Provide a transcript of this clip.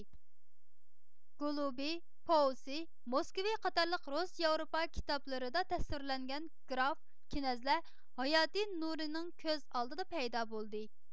گولۇبى پوۋسېي موسكۋى قاتارلىق رۇس ياۋروپا كىتابلىرىدىلا تەسۋىرلەنگەن گراف كىنەزلەر ھاياتى نۇرىنىڭ كۆز ئالدىدا پەيدا بولدى